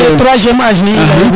3iem age ne i leyo gina